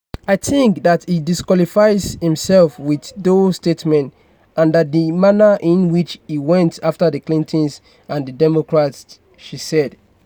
"I think that he disqualifies himself with those statements and the manner in which he went after the Clintons and the Democrats," she said.